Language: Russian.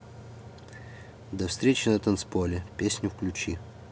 до встречи на танцполе песню включи